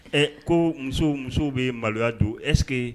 Ɛ ko muso musow bɛ maloya don ɛsseke